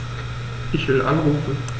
Ich will anrufen.